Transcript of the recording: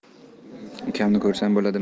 ukamni ko'rsam bo'ladimi